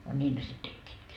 no niin ne sitten tekivätkin